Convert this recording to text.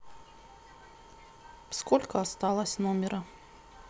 сколько осталось номера